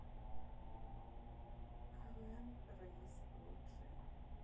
квн раисы лучшее